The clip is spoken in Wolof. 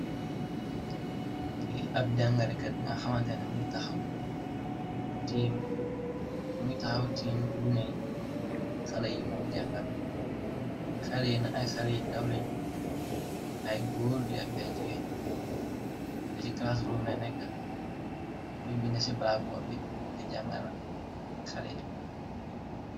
Li ab jàngalekat bi nga xamantene mugii taxaw tiim gunee ay xalèh yi muy jàngal xalèh yi nak ay xalèh yi ndawleñ ay gór ak ay jigéen ci klass ruum nekka muy binde ci blackboard di jangal xalèh yi.